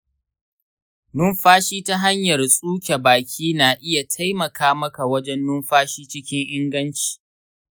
numfashi ta hanyar tsuke baki na iya taimaka maka wajen numfashi cikin inganci.